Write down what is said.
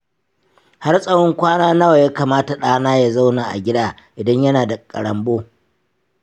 har tsawon kwana nawa ya kamata ɗana ya zauna a gida idan yana da ƙarambo.